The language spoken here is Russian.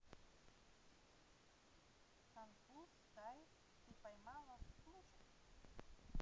конфуз кайф ты поймала слушать